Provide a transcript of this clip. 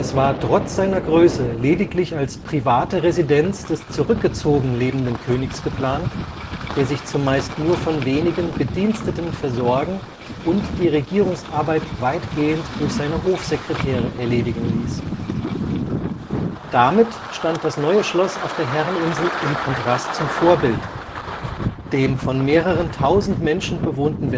war trotz seiner Größe lediglich als private Residenz des zurückgezogen lebenden Königs geplant, der sich zumeist nur von wenigen Bediensteten versorgen und die Regierungsarbeit weitgehend durch seine Hofsekretäre erledigen ließ. Damit stand das neue Schloss auf der Herreninsel im Kontrast zum Vorbild, dem von mehreren tausend Menschen bewohnten